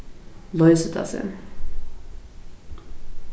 loysir tað seg